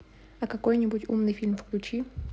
а какой нибудь умный фильм включи